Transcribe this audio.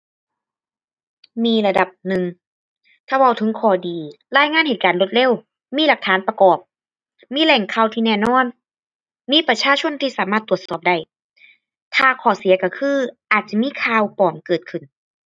มีระดับหนึ่ง ถ้าเว้าถึงข้อดี รายงานเหตุการณ์รวดเร็ว มีหลักฐานประกอบ มีแหล่งข่าวที่แน่นอน มีประชาชนที่สามารถตรวจสอบได้ ถ้าข้อเสียก็คืออาจสิมีข่าวปลอมเกิดขึ้น